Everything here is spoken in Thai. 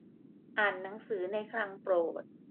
อ่านหนังสือในคลังโปรด